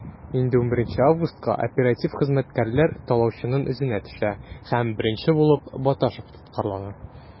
Инде 11 августка оператив хезмәткәрләр талаучыларның эзенә төшә һәм беренче булып Баташев тоткарлана.